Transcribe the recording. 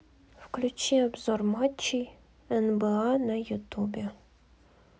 включи обзор матчей нба на ютубе